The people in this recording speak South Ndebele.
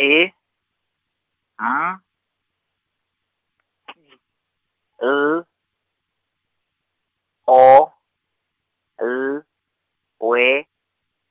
E, M, T, L, O, L, W,